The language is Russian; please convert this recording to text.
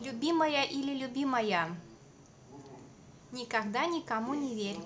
любимая или любимая никому никогда не верь